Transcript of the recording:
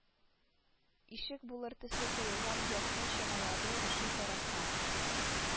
Ишек булыр төсле тоелган якны чамалады, шул тарафка